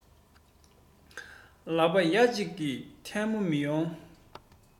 ལག པ ཡ གཅིག གིས ཐལ མོ མི ཡོང